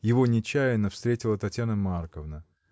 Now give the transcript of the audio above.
Его нечаянно встретила Татьяна Марковна.